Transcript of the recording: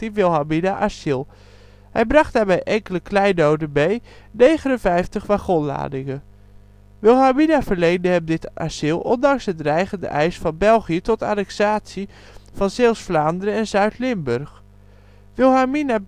Wilhelmina asiel. Hij bracht daarbij ' enkele kleinoden ' mee, 59 wagonladingen. Wilhelmina verleende hem dit asiel, ondanks een dreigende eis van België tot annexatie van Zeeuws-Vlaanderen en Zuid-Limburg. Wilhelmina